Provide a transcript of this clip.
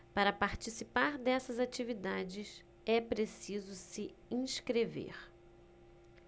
para participar dessas atividades é preciso se inscrever